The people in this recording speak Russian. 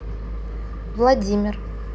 владимир